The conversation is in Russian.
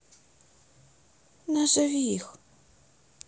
назови их